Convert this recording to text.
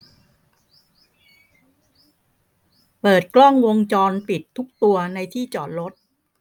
เปิดกล้องวงจรปิดทุกตัวในที่จอดรถ